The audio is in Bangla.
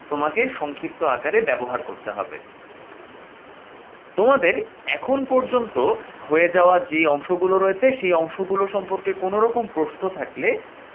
তোমাকে সংক্ষিপ্ত আকারে ব্যবহার করতে হবে তোমাদের এখন পর্যন্ত হয়ে যাওয়া যে অংশগুলো রয়েছে সে অংশগুলো সম্পর্কে কোন রকম প্রশ্ন থাকলে